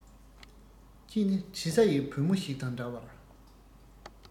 ཁྱེད ནི དྲི ཟ ཡི བུ མོ ཞིག དང འདྲ བར